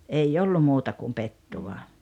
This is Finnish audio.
ei ollut muuta kuin pettua